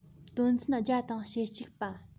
དོན ཚན བརྒྱ དང ཞེ གཅིག པ